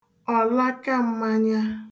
ọ̀lakam̄mānyā